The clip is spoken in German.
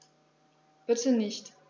Bitte nicht.